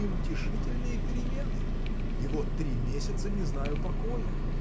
неутешительные перемены – и вот три месяца не знаю покоя.